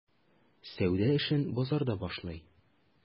Сәүдә эшен базарда башлый.